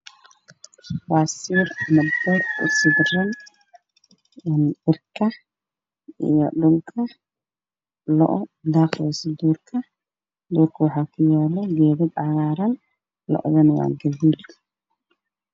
Waa sawir farshaxan waa beer coos ka baxaayo waxaa eg taagan sac aada u weyn